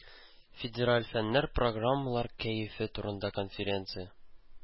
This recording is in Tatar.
Федераль фэннэр программалар кәефе турында конференция.